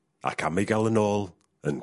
ac am ei ga'l yn ôl yn...